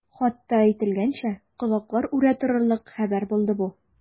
Хатта әйтелгәнчә, колаклар үрә торырлык хәбәр булды бу.